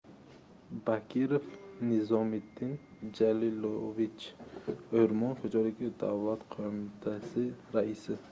bakirov nizomidin jalilovich o'rmon xo'jaligi davlat qo'mitasi raisi